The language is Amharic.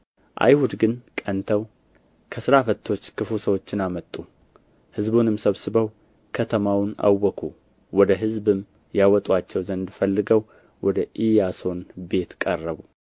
አይሁድ ግን ቀንተው ከሥራ ፈቶች ክፉ ሰዎችን አመጡ ሕዝብንም ሰብስበው ከተማውን አወኩ ወደ ሕዝብም ያወጡአቸው ዘንድ ፈልገው ወደ ኢያሶን ቤት ቀረቡ